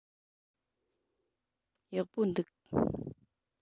ཡག པོ འདུག